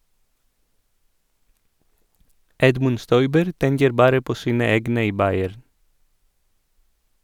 Edmund Stoiber tenker bare på sine egne i Bayern.